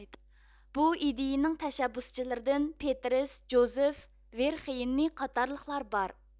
بۇ ئىدىيىنىڭ تەشەببۇسچىلىرىدىن پېتېرس جوزېف ۋېرخېيننى قاتارلىقلار بار